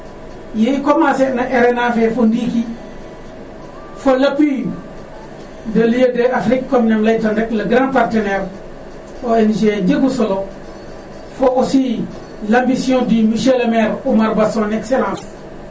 ye i commencer na RNA fe fo ndiiki fo l' appuie de l' IED Afrique comme neem laytan rek le grand partenaire ONG jegu solo fo aussi l' ambition du monsieur le maire Omar Ba son excellence